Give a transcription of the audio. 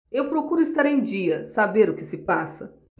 eu procuro estar em dia saber o que se passa